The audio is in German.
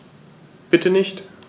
Bitte nicht.